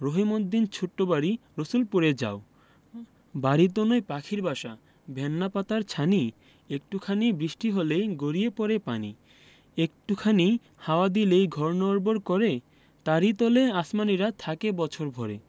রহিমদ্দির ছোট্ট বাড়ি রসুলপুরে যাও বাড়িতো নয় পাখির বাসা ভেন্না পাতার ছানি একটু খানি বৃষ্টি হলেই গড়িয়ে পড়ে পানি একটু খানি হাওয়া দিলেই ঘর নড়বড় করে তারি তলে আসমানীরা থাকে বছর ভরে